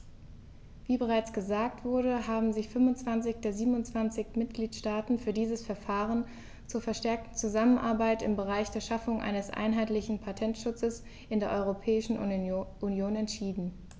Wie bereits gesagt wurde, haben sich 25 der 27 Mitgliedstaaten für dieses Verfahren zur verstärkten Zusammenarbeit im Bereich der Schaffung eines einheitlichen Patentschutzes in der Europäischen Union entschieden.